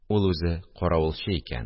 Ул үзе каравылчы икән